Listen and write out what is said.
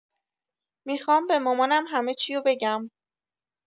میخوام به مامانم همه چیو بگم